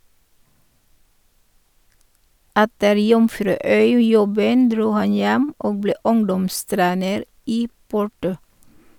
Etter Jomfruøy-jobben dro han hjem og ble ungdomstrener i Porto.